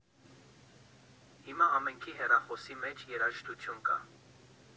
Հիմա ամենքի հեռախոսի մեջ երաժշտություն կա։